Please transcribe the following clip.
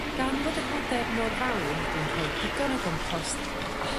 Gan fod yr hade mor fawr dwi'n rhoi digon o gompost a